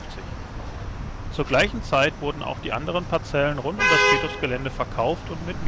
gleichen Zeit wurden auch die anderen Parzellen rund um das Friedhofsgelände verkauft und mit